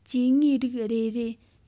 སྐྱེ དངོས རིགས རེ རེ